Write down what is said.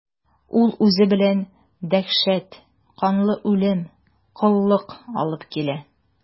Ул үзе белән дәһшәт, канлы үлем, коллык алып килә.